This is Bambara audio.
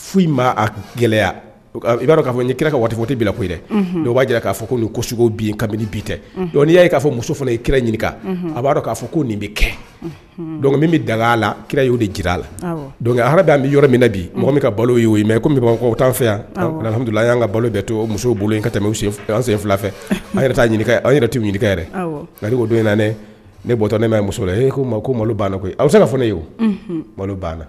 Fo maa gɛlɛyaya a b'a dɔn k'a n ye kira ka waati fɔti bila koyi dɛ dɔw b'a jira k'a fɔ ko nin kogo bin ka bi tɛ n' y'a k'a fɔ muso fana ye kira ɲinika a b'a dɔn k'a fɔ ko nin bɛ kɛ min bɛ daga a la kira y'o de jira a la ha' bɛ yɔrɔ min bi mɔgɔ min ka balo y'o mɛn ko taa fɛ yan y'an ka balo bɛɛ to muso bolo ka tɛmɛ an sen fila fɛ an an yɛrɛ tɛ ɲinikɛ yɛrɛ don in na ne bɔtɔ ne ma muso e ko ma ko malo aw se fɔ ne yeo malo bannaana